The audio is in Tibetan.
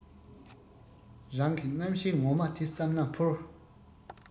རང གི རྣམ ཤེས ངོ མ དེ བསམ ན འཕུར